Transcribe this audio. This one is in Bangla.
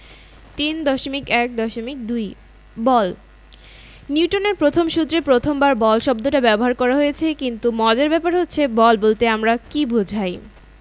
বল প্রয়োগ না করা পর্যন্ত স্থির বস্তু যে স্থির থাকতে চায় কিংবা গতিশীল বস্তু যে গতিশীল থাকতে চায় বস্তুর এই বৈশিষ্ট্যটাই হচ্ছে জড়তা